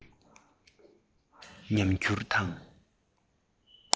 ཉམས འགྱུར དང